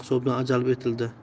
hisobidan jalb etildi